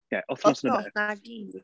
Ie wythnos... Wythnos 'na i gyd.